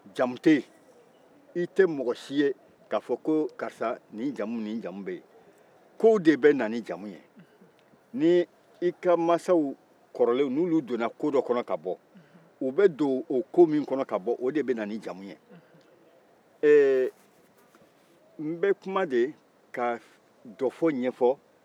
jamu tɛ yen i tɛ mɔgɔ si k'a fɔ ko nin jamu ni nin jamu in bɛ yen kow de bɛ na ni jamu ye i ka mansa kɔrɔlenw n'olu donna ko dɔ kɔnɔ ka bɔ i bɛ don o ko min kɔnɔ ka bɔ o de bɛ na ni jamu ye n bɛ kuma de ka dɔfɔ ɲɛfɔ